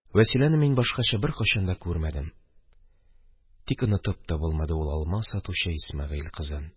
Вәсиләне мин башкача беркайчан да күрмәдем, тик онытып та булмады ул алма сатучы Исмәгыйль кызын